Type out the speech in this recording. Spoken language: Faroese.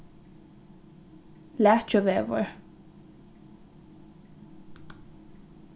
lækjuvegur